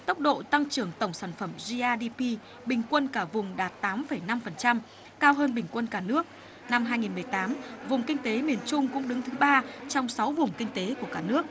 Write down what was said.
tốc độ tăng trưởng tổng sản phẩm di ai đi bi bình quân cả vùng đạt tám phẩy năm phần trăm cao hơn bình quân cả nước năm hai nghìn mười tám vùng kinh tế miền trung cũng đứng thứ ba trong sáu vùng kinh tế của cả nước